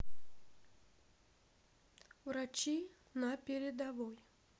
врачи на передовой